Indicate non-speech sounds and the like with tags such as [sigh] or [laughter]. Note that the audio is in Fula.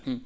[hesitation] [hesitation]